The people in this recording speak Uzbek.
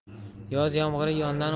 yoz yomg'iri yondan